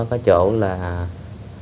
có chỗ là